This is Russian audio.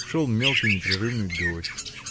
Шел мелкий, непрерывный дождь.